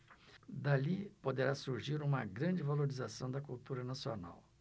dali poderá surgir uma grande valorização da cultura nacional